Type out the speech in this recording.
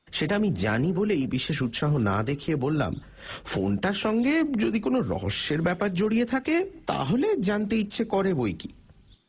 সেটা আমি জানি বলেই বিশেষ উৎসাহ না দেখিয়ে বললাম ফোনটার সঙ্গে যদি কোনও রহস্যের ব্যাপার জড়িয়ে থাকে তা হলে জানতে ইচ্ছে করে বইকী